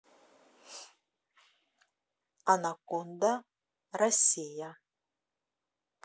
анаконда россия